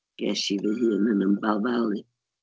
Ges i fy hun yn ymbalfalu.